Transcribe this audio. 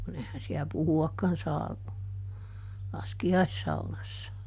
kun eihän siellä puhuakaan saa laskiaissaunassa